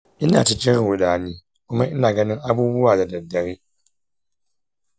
ina cikin ruɗani kuma ina ganin abubuwa da daddare.